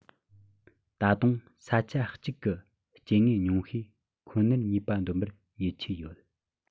ད དུང ས ཆ གཅིག གི སྐྱེ དངོས ཉུང ཤས ཁོ ནར ནུས པ འདོན པར ཡིད ཆེས ཡོད